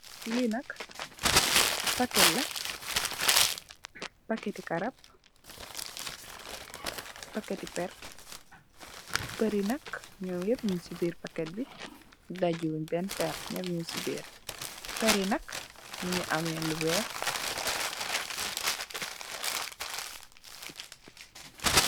Li nak paket la, paketti garap, paketti péér, péér yi nak ñom ñep ñing ci biir paket bi daajii wuñ ci ben péér. Pééri yi nak ñu ngi ameh lu wèèx .